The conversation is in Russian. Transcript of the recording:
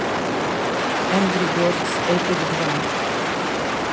энгри бердс эпик два